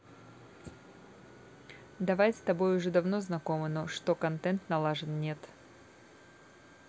давай с тобой уже давно знакомы но что контент налажен нет